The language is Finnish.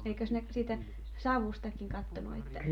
eikös ne siitä savustakin katsonut että